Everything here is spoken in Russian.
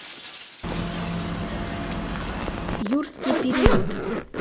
юрский период